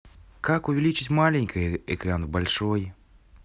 как увеличить маленький экран в большой